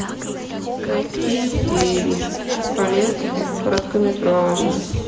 найди фильм коллекция короткометражных